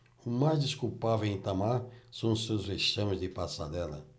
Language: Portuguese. o mais desculpável em itamar são os seus vexames de passarela